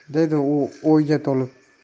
dedi u o'yga tolib